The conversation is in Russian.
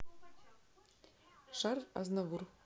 шарль азнавур